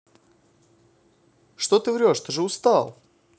что ты врешь ты же устал